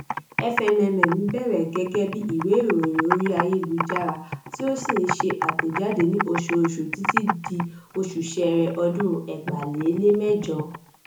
FMM bẹ̀rẹ̀ gẹ́gẹ́ bíi ìwé ìròyìn orí ayélujára, tí ó ń ṣe àtẹ̀jáde ní oṣooṣù títí di oṣù Ṣẹ́ẹ́rẹ́ ọdún 2008.